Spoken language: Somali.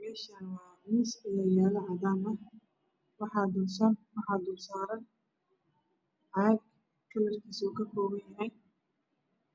Meshani waa miis ayaa yala caadan ah waxaa dul saaran caag kalarkiisu uuka koban yahay